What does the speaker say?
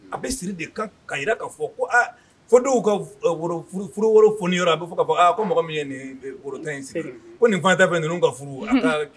A bi siri de kan ka jira ka fɔ ko denw ka furu woro foni yɔrɔ a bɛ fɔ ka fɔ aa ko mɔgɔ min ye nin woro 10 in siri ko nin fana ta fɛ ninnu ka furu